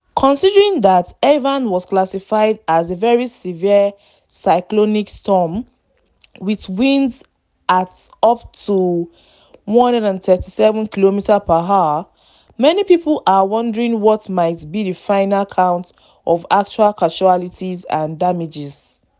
Considering that Ivan was classified as a very severe cyclonic storm with winds at up to 137 km/h, many people are wondering what might be the final count of actual casualties and damages.